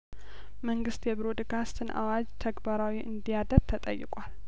መንግስት የብሮድካስትን አዋጅን ተግባራዊ እንዲያደርግ ተጠይቋል